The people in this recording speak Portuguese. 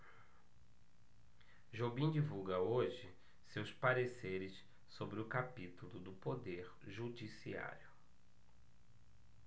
jobim divulga hoje seus pareceres sobre o capítulo do poder judiciário